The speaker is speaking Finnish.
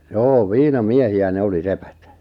joo viinamiehiä ne oli sepät